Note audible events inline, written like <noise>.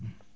<hesitation>